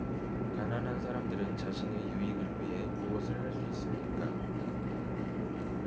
가난한 사람들은 자신의 유익을 위해 무엇을 할 수 있습니까